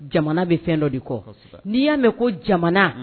Jamana bɛ fɛn dɔ de kɔ n'i y'a mɛn ko jamana